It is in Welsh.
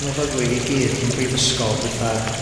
myfyrwyr i gyd yn y brifysgol fytha